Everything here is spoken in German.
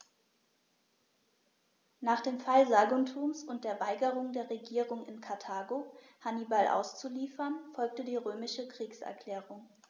Nach dem Fall Saguntums und der Weigerung der Regierung in Karthago, Hannibal auszuliefern, folgte die römische Kriegserklärung.